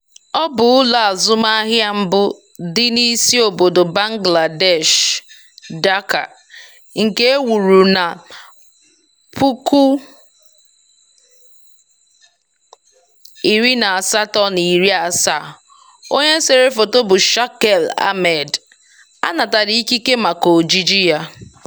Ọ bụ ụlọ azụmahịa mbụ dị n'isi obodo Bangladesh, Dhaka, nke e wuru na 1870. Onye sere foto bụ Shakil Ahmed, a natara ikike maka ojiji ya.